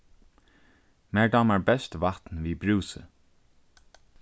mær dámar best vatn við brúsi